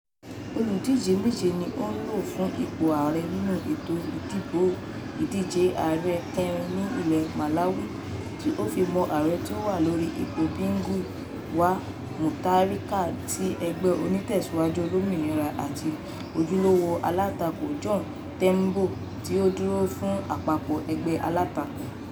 Olùdíje méje ni ó ń lọ fún ipò ààrẹ nínú ètò ìdìbò ìdíje ààrẹ kẹrin ní ilẹ̀ Malawi, tí ó fi mọ́ ààrẹ tí ó wà lórí ipò Bingu wa Mutharika ti ẹgbẹ́ onítẹ̀síwájú Olómìnira àti ojúlówó alátakò John Tembo, tí ó ń dúró fún àpapọ̀ ẹgbẹ́ alátakò.